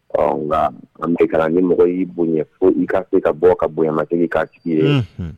Nka an bɛka kalan ni mɔgɔ y'i bonya fo i ka se ka bɔ ka bonya ma se k'a sigi ye